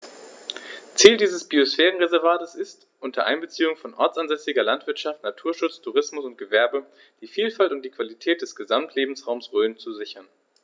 Ziel dieses Biosphärenreservates ist, unter Einbeziehung von ortsansässiger Landwirtschaft, Naturschutz, Tourismus und Gewerbe die Vielfalt und die Qualität des Gesamtlebensraumes Rhön zu sichern.